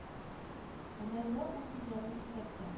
Ә Мәрүә ул сүзләрне исәпкә